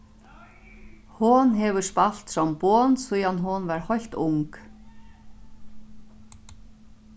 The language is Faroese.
hon hevur spælt trombon síðan hon var heilt ung